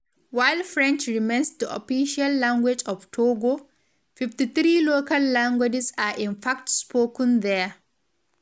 While French remains the official language of Togo, 53 local languages are in fact spoken there.